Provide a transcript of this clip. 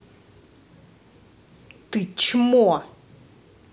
ты чмо